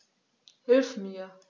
Hilf mir!